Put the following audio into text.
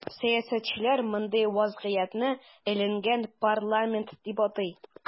Сәясәтчеләр мондый вазгыятне “эленгән парламент” дип атый.